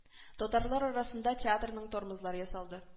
Татарлар арасында театрның тормозлар ясады